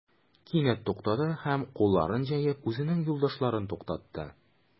Кинәт туктады һәм, кулларын җәеп, үзенең юлдашларын туктатты.